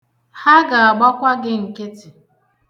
Ha ga-agbakwa gị nkịtị.